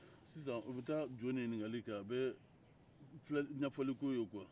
sisan o bɛ taa jo nin ɲininkali kɛ a bɛ ɲɛfɔli k'o ye kuwa